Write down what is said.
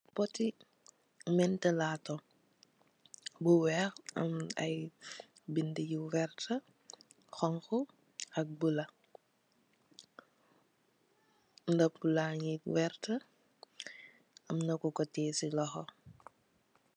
Poti mintalatu bu weex am ay binda yu wertax xonxa ak bulu nup lagi wertax amna koku tiyex si loxo.